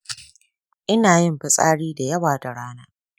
ina yin fitsari da yawa da rana.